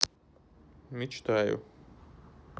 мечтаю